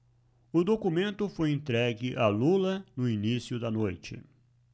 o documento foi entregue a lula no início da noite